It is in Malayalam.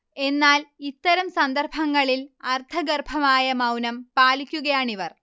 എന്നാൽ ഇത്തരം സന്ദർഭങ്ങളിൽ അർത്ഥഗർഭമായ മൗനം പാലിക്കുകയാണിവർ